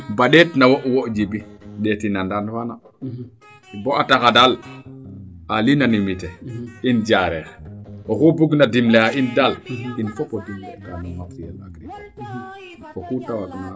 ba ndeet na wo wo Djiby ndeeti na Ndne faana bo a taxa daal a l'unamimité in Diarekh oxu bug na dimle a in daal in fop o dimle kaa